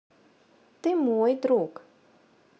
ты мой друг